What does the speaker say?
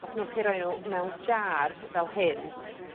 os nowch chi roi n'w mewn jar fel hyn